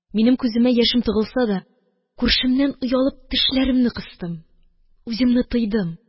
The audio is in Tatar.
Минем күземә яшем тыгылса да, күршемнән оялып, тешләремне кыстым. Үземне тыйдым.